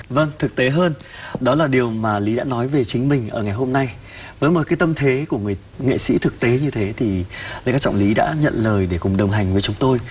vâng thực tế hơn đó là điều mà lý đã nói về chính mình ở ngày hôm nay với một cái tâm thế của người nghệ sĩ thực tế như thế thì lê cát trọng lý đã nhận lời để cùng đồng hành với chúng tôi